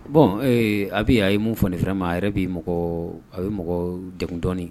Bɔn a bɛ a ye mun fɔɔni fana ma yɛrɛ' a ye mɔgɔ deg dɔɔninɔni